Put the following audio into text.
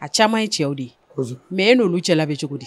A caaman ye cɛw de mais e n'olu cɛla bɛ cogo di?